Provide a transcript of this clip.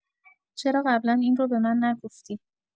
چرا قبلا این رو به من نگفتی؟